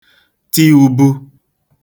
ti ūbū